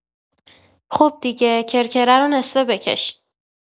خب دیگه، کرکره رو نصفه بکش.